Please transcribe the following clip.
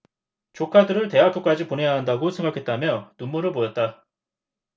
조카들을 대학교까지 보내야한다고 생각했다며 눈물을 보였다